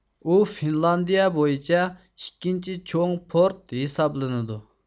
ئۇ فىنلاندىيە بويىچە ئىككىنچى چوڭ پورت ھېسابلىنىدۇ